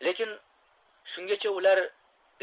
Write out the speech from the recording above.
lekin shungacha ular